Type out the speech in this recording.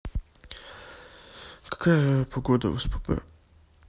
какая погода в спб